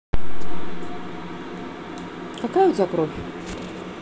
какая у тебя кровь